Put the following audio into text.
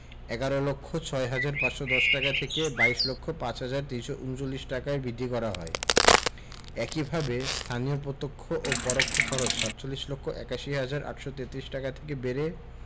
১১ লক্ষ ৬ হাজার ৫১০ টাকা থেকে ২২ লক্ষ ৫ হাজার ৩৩৯ টাকায় বিদ্ধি করা হয় একইভাবে স্থানীয় প্রত্যক্ষ ও পরোক্ষ খরচ ৪৭ লক্ষ ৮১ হাজার ৮৩৩ টাকা থেকে বেড়ে